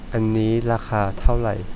อันนี้ราคาเท่าไร